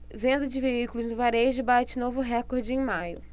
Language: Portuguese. venda de veículos no varejo bate novo recorde em maio